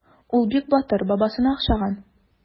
Ул бик батыр, бабасына охшаган.